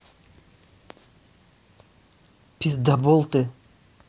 пиздабол ты